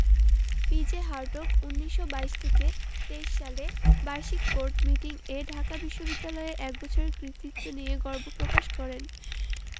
P J Hartog ১৯২২থেকে ২৩ সালে বার্ষিক কোর্ট মিটিং এ ঢাকা বিশ্ববিদ্যালয়ের এক বছরের কৃতিত্ব নিয়ে গর্ব প্রকাশ করেন